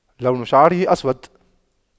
لون شعره أسود